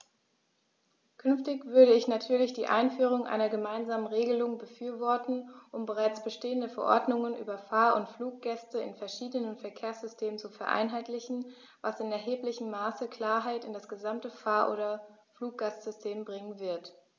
Künftig würde ich natürlich die Einführung einer gemeinsamen Regelung befürworten, um bereits bestehende Verordnungen über Fahr- oder Fluggäste in verschiedenen Verkehrssystemen zu vereinheitlichen, was in erheblichem Maße Klarheit in das gesamte Fahr- oder Fluggastsystem bringen wird.